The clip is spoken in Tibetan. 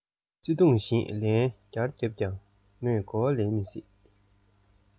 བརྩེ དུང ཞེས ལན བརྒྱར ལབ ཀྱང མོས གོ བ ལོན མི སྲིད